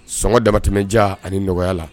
Sɔngɔɔn dabatɛmɛ ja ani nɔgɔya la